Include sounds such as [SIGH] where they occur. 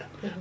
[HESITATION] [HESITATION]